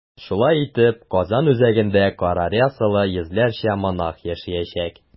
Шулай итеп, Казан үзәгендә кара рясалы йөзләрчә монах яшәячәк.